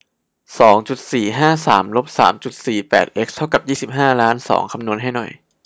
สองจุดสี่ห้าสามลบสามจุดสี่แปดเอ็กซ์เท่ากับยี่สิบห้าล้านสองคำนวณให้หน่อย